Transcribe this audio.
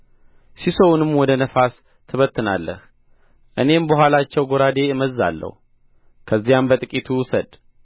ሢሶውንም ወደ ነፋስ ትበትናለህ እኔም በኋላቸው ጐራዴ እመዝዛለሁ ከዚያም በጥቂቱ ውሰድ